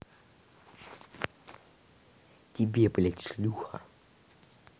тебе блядь шлюха